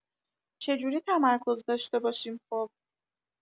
چجوری تمرکز داشته باشیم خب؟